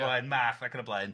o flaen Math ac yn y blaen.